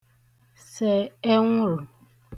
sè ẹnwụ̀rụ̀